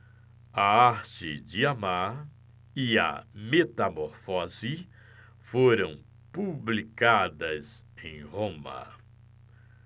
a arte de amar e a metamorfose foram publicadas em roma